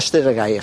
Ystyr y gair.